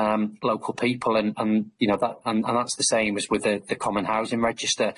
yym local people and and you know that and and that's the same as with the the common housing register.